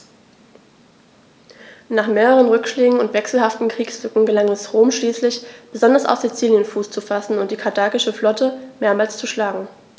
Nach mehreren Rückschlägen und wechselhaftem Kriegsglück gelang es Rom schließlich, besonders auf Sizilien Fuß zu fassen und die karthagische Flotte mehrmals zu schlagen.